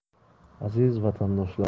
aziz vatandoshlar